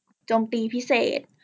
โจมตีพิเศษ